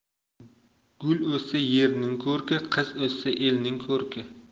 gul o'ssa yeming ko'rki qiz o'ssa elning ko'rki